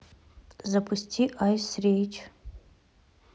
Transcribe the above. запусти айс рейч